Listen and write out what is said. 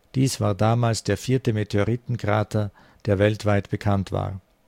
Dies war damals der vierte Meteoritenkrater, der weltweit bekannt war